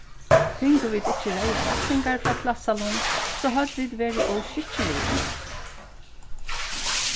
fingu vit ikki reyðar rættingar frá klassanum so høvdu vit verið ov skikkiligir